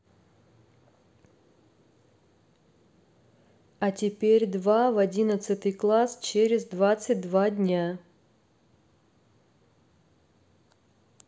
а теперь два в одиннадцатый класс через двадцать два дня